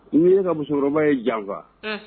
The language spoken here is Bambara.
I' ye ne ka musokɔrɔba de janfa